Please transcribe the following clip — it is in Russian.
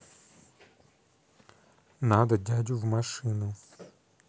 надо дядю в машину